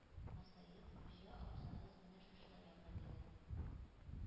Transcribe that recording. Масаеп: «хуҗа абзагыз менә шушылай ата»,— дигән.